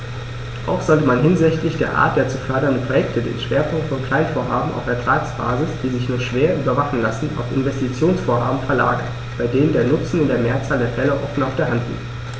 Auch sollte man hinsichtlich der Art der zu fördernden Projekte den Schwerpunkt von Kleinvorhaben auf Ertragsbasis, die sich nur schwer überwachen lassen, auf Investitionsvorhaben verlagern, bei denen der Nutzen in der Mehrzahl der Fälle offen auf der Hand liegt.